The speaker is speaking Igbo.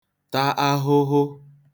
ta ahụhụ